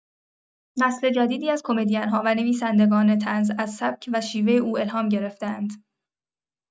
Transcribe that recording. نسل جدیدی از کمدین‌ها و نویسندگان طنز از سبک و شیوه او الهام گرفته‌اند.